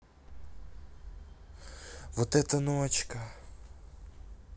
вот это ночка